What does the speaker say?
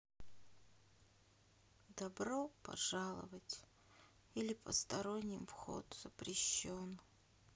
добро пожаловать или посторонним вход запрещен